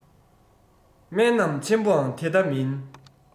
དམན རྣམས ཆེན པོའང དེ ལྟ མིན